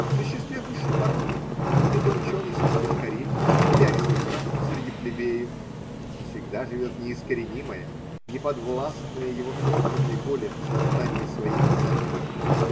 В существе высшей породы, будь это ученый среди дикарей или аристократ среди плебеев, всегда живет неискоренимое, неподвластное его собственной воле сознание своей ценности.